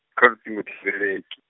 kha luṱingo -leki.